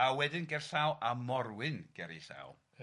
A wedyn gerllaw a Morwyn ger ei llaw... Ia...